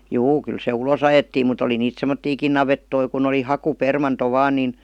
juu kyllä se ulos ajettiin mutta oli niitä semmoisiakin navettoja kun oli hakupermanto vain niin